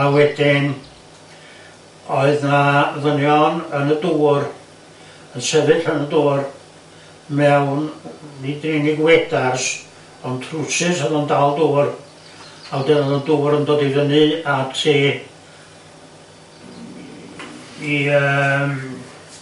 A wedyn oedd 'na ddynion yn y dŵr yn sefyll yn y dŵr mewn nid yn unig wedars ond trowsus o'dd yn dal dŵr a wedyn o'dd y dŵr yn dod i fyny at i yym